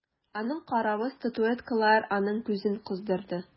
Аның каравы статуэткалар аның күзен кыздырды.